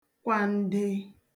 kwànde